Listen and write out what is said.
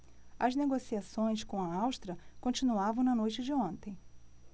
as negociações com a áustria continuavam na noite de ontem